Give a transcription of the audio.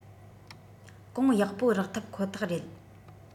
གོང ཡག པོ རག ཐབས ཁོ ཐག རེད